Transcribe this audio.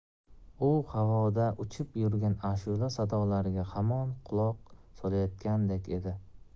u havoda uchib yurgan ashula sadolariga hamon quloq solayotgandek edi